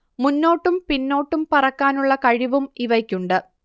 മുന്നോട്ടും പിന്നോട്ടും പറക്കാനുള്ള കഴിവും ഇവയ്ക്കുണ്ട്